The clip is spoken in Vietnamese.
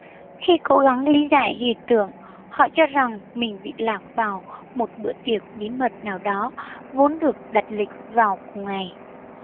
khi cố gắng lý giải hiện tượng họ cho rằng mình bị lạc vào một bữa tiệc bí mật nào đó vốn được đặt lịch vào cùng ngày